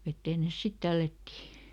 veteen ne sitten tällättiin